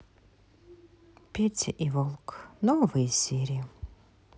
петя и волк новые серии